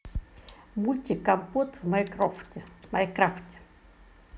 мультик компот в майнкрафте